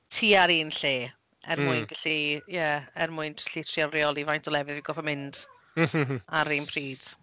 tua'r un lle er mwyn gallu... m-hm... Ie, er mwyn gallu trio reoli faint o lefydd fi'n gorfod mynd ar yr un pryd.